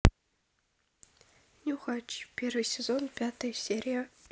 нюхач первый сезон пятая серия